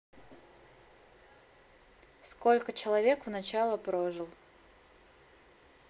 сколько человек в начало прожил